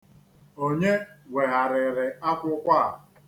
Onye wegharịrị akwụkwọ a?